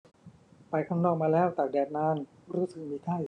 ไปข้างนอกมาแล้วตากแดดนานรู้สึกมีไข้